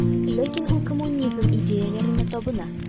Ләкин ул коммунизм идеяләренә табына.